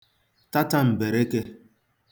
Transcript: tatam̀bèrekē